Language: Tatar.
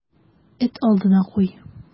Эт алдына куй.